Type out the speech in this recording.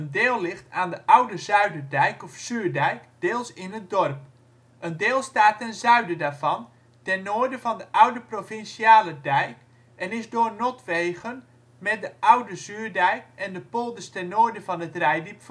deel ligt aan de oude Zuiderdijk of Zuurdijk (Deels in het dorp). Een deel staat ten zuiden daarvan, ten noorden van de oude Provinciale Dijk en is door notwegen met de oude Zuurdijk en de polders ten noorden van het Reitdiep